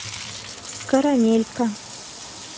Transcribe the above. карамелька